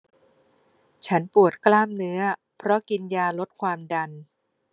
ฉันปวดกล้ามเนื้อเพราะกินยาลดความดัน